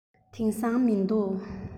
དེང སང མི འདུག